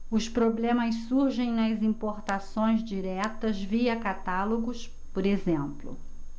os problemas surgem nas importações diretas via catálogos por exemplo